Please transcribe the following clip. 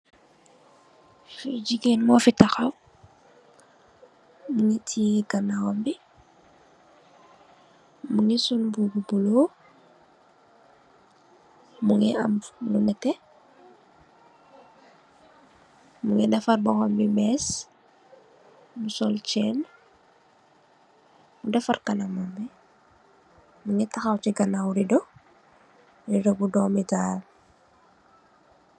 Fi jigéen mu fi tahaw, mungi tè ganaawam bi, mungi sol mbuba bu bulo, mungi am lu nètè, mungi defar boppam bi mèss, mu sol chenn, defar kanamam bi, mungi tahaw chi ganaaw rido, rido bu doomital.